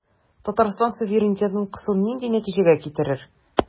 Татарстанның суверенитетын кысу нинди нәтиҗәгә китерер?